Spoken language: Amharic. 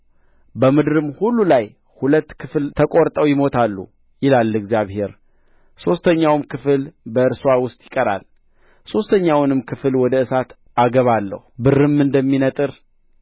በምድርም ሁሉ ላይ ሁለት ክፍል ተቈርጠው ይሞታሉ ይላል እግዚአብሔር ሦስተኛውም ክፍል በእርስዋ ውስጥ ይቀራል ሦስተኛውንም ክፍል ወደ እሳት አገባለሁ ብርም እንደሚነጥር